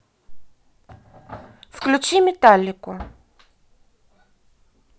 включи металлику